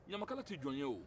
ɲamakala tɛ jɔn ye o